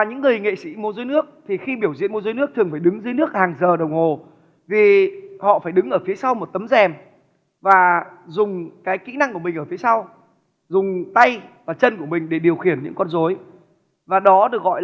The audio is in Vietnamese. và những người nghệ sĩ múa rối dưới nước thì khi biểu diễn múa rối nước thường phải đứng dưới nước hàng giờ đồng hồ vì họ phải đứng ở phía sau một tấm rèm và dùng cái kỹ năng của mình ở phía sau dùng tay và chân của mình để điều khiển những con rối và đó được gọi